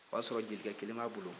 o y'a sɔrɔ jelikɛ kelen b'a bolo